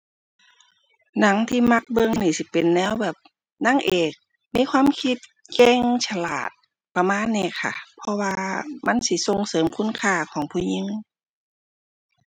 หนังที่มักเบิ่งนี่สิเป็นแนวแบบนางเอกมีความคิด เก่ง ฉลาด ประมาณนี้ค่ะ เพราะว่ามันสิส่งเสริมคุณค่าของผู้หญิง